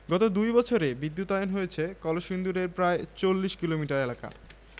গত দুই বছরে বিদ্যুতায়ন হয়েছে কলসিন্দুরের প্রায় ৪০ কিলোমিটার এলাকা